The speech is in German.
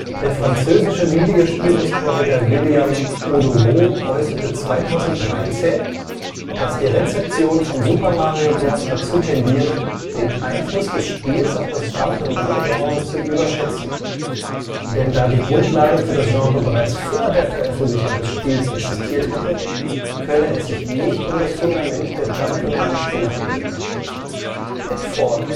Der französische Videospielhistoriker William Audureau äußerte 2013, dass die Rezeption von Super Mario Bros. dazu tendiere, den Einfluss des Spiels auf das Jump -’ n’ - Run-Genre zu überschätzen. Denn da die Grundlagen für das Genre bereits vor der Veröffentlichung des Spiels existiert hätten, könne es sich nicht um das Fundament der Jump -’ n’ - Run-Spiele handeln. Pitfall